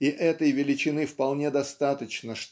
И этой величины вполне достаточно